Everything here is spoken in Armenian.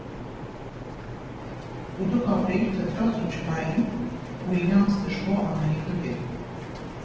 Ու դու կապրեիր թթված ու ջղային ու իրանց դժգոհ Անահիտի հետ։